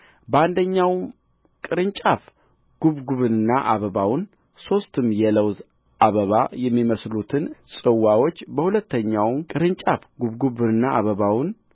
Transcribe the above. በአንደኛው ቅርንጫፍ ጕብጕቡንና አበባውን ሦስትም የለውዝ አበባ የሚመስሉትን ጽዋዎች በሁለተኛውም ቅርንጫፍ ጕብጕቡንና አበባውን